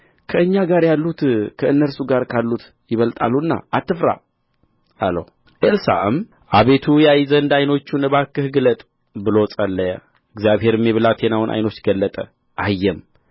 ከእኛ ጋር ያሉት ከእነርሱ ጋር ካሉት ይበልጣሉና አትፍራ አለው ኤልሳዕም አቤቱ ያይ ዘንድ ዓይኖቹን እባክህ ግለጥ ብሎ ጸለየ እግዚአብሔርም የብላቴናውን ዓይኖች ገለጠ አየም